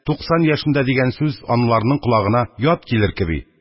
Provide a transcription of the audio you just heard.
Туксан яшендә» дигән сүз анларның колагына ят килер кеби,